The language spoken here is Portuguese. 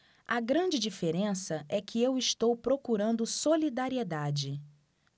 a grande diferença é que eu estou procurando solidariedade